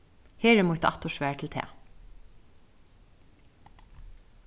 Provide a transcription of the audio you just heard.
her er mítt aftursvar til tað